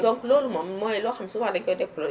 donc loolu moom mooy loo xam ne souvent dañu koy déploré